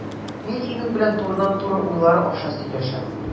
Мин синең белән турыдан-туры уйлар аша сөйләшәм.